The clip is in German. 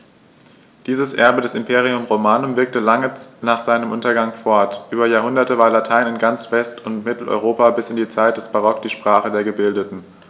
Dieses Erbe des Imperium Romanum wirkte lange nach seinem Untergang fort: Über Jahrhunderte war Latein in ganz West- und Mitteleuropa bis in die Zeit des Barock die Sprache der Gebildeten.